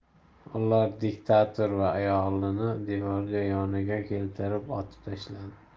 ular diktator va ayolini devor yoniga keltirib otib tashladi